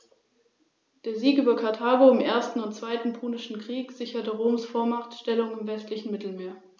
Jeder Stachel ist mit einem Aufrichtemuskel (Musculus arrector pili) ausgestattet.